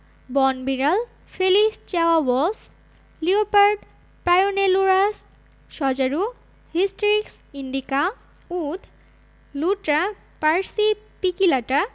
বন বিড়াল Felis chaus leopard Prionailurus সজারু হিস্টরিক্স ইন্ডিকা উদ লুৎরা পার্সিপিকিলাটা